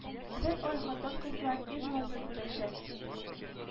Бер ай хатын-кызлар ир назы күрәчәк